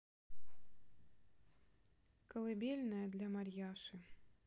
колыбельная для марьяши